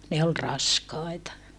ne oli raskaita